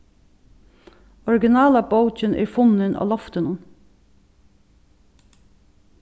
originala bókin er funnin á loftinum